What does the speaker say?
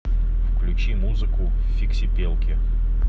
включи музыку фиксипелки